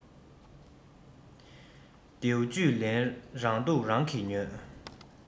རྡེའུ བཅུད ལེན རང སྡུག རང གིས ཉོས